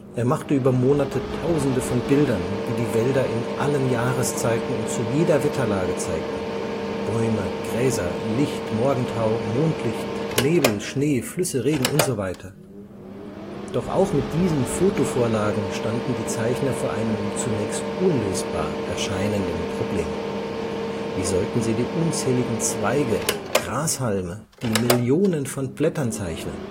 Er machte über Monate Tausende von Bildern, die die Wälder in allen Jahreszeiten und zu jeder Wetterlage zeigten: Bäume, Gräser, Licht, Morgentau, Mondlicht, Nebel, Schnee, Flüsse, Regen usw. Doch auch mit diesen Fotovorlagen standen die Zeichner vor einem zunächst unlösbar erscheinenden Problem: Wie sollten sie die unzähligen Zweige, Grashalme, die Millionen von Blättern zeichnen